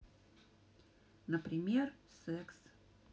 например секс